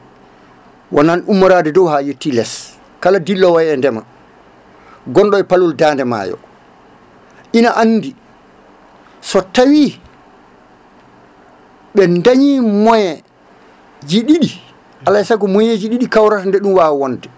wonoon ummorade dow ha yetti less kala dillo e ndeema gonɗo e palol Dande Mayyo ina andi so tawi ɓe dañi moyen ji ɗiɗi alay saago ko moyen ji ɗiɗi kawrata nde ɗum wawa wonde